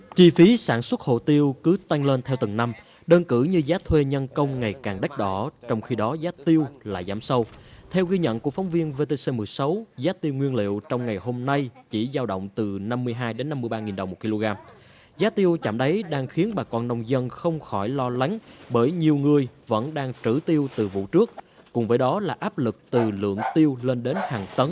chi phí sản xuất hồ tiêu cứ tăng lên theo từng năm đơn cử như giá thuê nhân công ngày càng đắt đỏ trong khi đó giá tiêu lại giảm sâu theo ghi nhận của phóng viên vê tê xê mười sáu giá tiêu nguyên liệu trong ngày hôm nay chỉ dao động từ năm mươi hai đến năm mươi ba nghìn đồng một ki lô gam giá tiêu chạm đáy đang khiến bà con nông dân không khỏi lo lắng bởi nhiều người vẫn đang trữ tiêu từ vụ trước cùng với đó là áp lực từ lượng tiêu lên đến hàng tấn